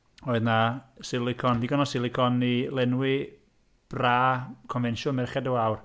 Oedd yna silicone, ddigon o silicone i lenwi bra confensiwn Merched y Wawr.